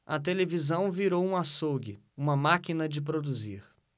a televisão virou um açougue uma máquina de produzir